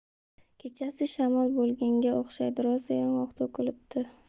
kechasi shamol bo'lganga o'xshaydi rosa yong'oq to'kilibdi